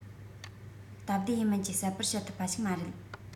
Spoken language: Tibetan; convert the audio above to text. སྟབས བདེ ཡིན མིན གྱིས གསལ པོར བཤད ཐུབ པ ཞིག མ རེད